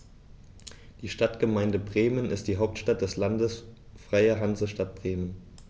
Die Stadtgemeinde Bremen ist die Hauptstadt des Landes Freie Hansestadt Bremen.